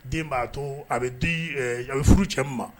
Den b'a to a bɛ di a bɛ furu cɛ min ma